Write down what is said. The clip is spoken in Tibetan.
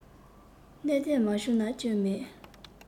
གནད དོན མ བྱུང ན སྐྱོན མེད